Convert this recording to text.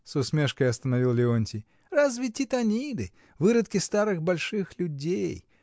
— с усмешкой остановил Леонтий, — разве титаниды, выродки старых больших людей.